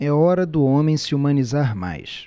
é hora do homem se humanizar mais